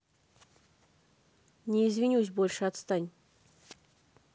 не извинюсь больше отстань